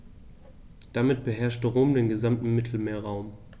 Damit beherrschte Rom den gesamten Mittelmeerraum.